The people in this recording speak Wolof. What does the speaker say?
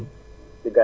diggam ak Kër Dame